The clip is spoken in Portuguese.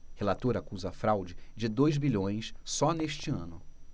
relator acusa fraude de dois bilhões só neste ano